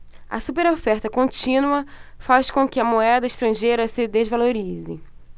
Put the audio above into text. a superoferta contínua faz com que a moeda estrangeira se desvalorize